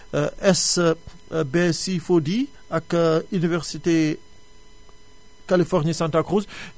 SBC4D ak Université Californie Santa Cruz